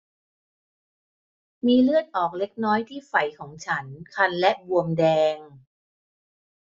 มีเลือดออกเล็กน้อยที่ไฝของฉันคันและบวมแดง